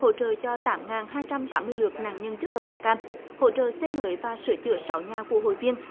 hỗ trợ cho tám ngàn hai trăm tám mươi lượt nạn nhân chất độc da cam hỗ trợ xây mới và sửa chữa sáu nhà của hội viên